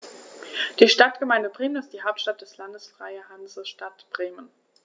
Die Stadtgemeinde Bremen ist die Hauptstadt des Landes Freie Hansestadt Bremen.